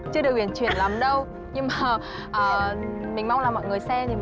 chưa được uyển chuyển lắm đâu nhưng mà mình mong là mọi người xem thì